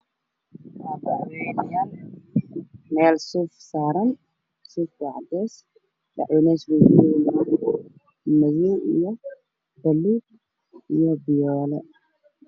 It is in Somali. Waa bac weynayal mel sufa saran sufka waa cades bac weynayasha waa madow io balug io fiyool